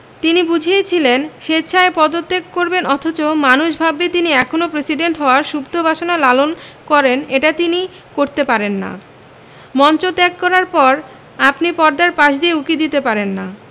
তিনি বুঝেছিলেন স্বেচ্ছায় পদত্যাগ করবেন অথচ মানুষ ভাববে তিনি এখনো প্রেসিডেন্ট হওয়ার সুপ্ত বাসনা লালন করেন এটা তিনি করতে পারেন না মঞ্চ ত্যাগ করার পর আপনি পর্দার পাশ দিয়ে উঁকি দিতে পারেন না